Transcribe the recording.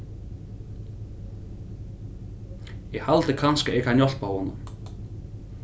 eg haldi kanska eg kann hjálpa honum